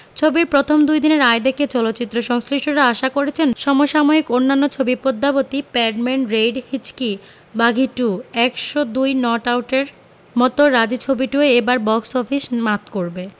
ছবিটার প্রথম দুইদিনের আয় দেখে চলচ্চিত্র সংশ্লিষ্টরা আশা করেছেন সম সাময়িক অন্যান্য ছবি Padmavati Padman Raid Hichki Baaghi two ১০২ not আউটের মতো রাজী ছবিটিও এ বছর বক্স অফিস মাত করবে